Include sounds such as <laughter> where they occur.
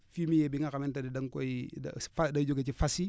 fumier bi nga xamante ni da nga koy <hesitation> si fa day jóge si fas yi